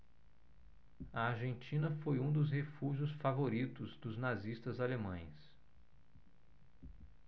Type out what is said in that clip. a argentina foi um dos refúgios favoritos dos nazistas alemães